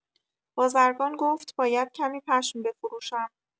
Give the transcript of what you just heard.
بازرگان گفت: «باید کمی پشم بفروشم».